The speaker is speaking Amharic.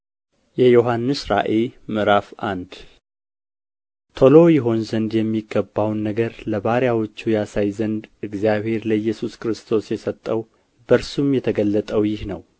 የዮሐንስ ራእይ ምዕራፍ አንድ ቶሎ ይሆን ዘንድ የሚገባውን ነገር ለባሪያዎቹ ያሳይ ዘንድ እግዚአብሔር ለኢየሱስ ክርስቶስ የሰጠው በእርሱም የተገለጠው ይህ ነው